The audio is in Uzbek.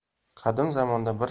qadim zamonda bir